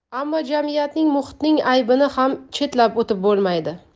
ammo jamiyatning muhitning aybini ham chetlab o'tib bo'lmaydi